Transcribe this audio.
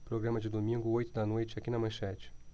programa de domingo oito da noite aqui na manchete